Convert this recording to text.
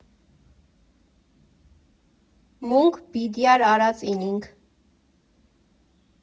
Մունք բիդյար արած ինինք։